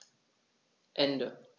Ende.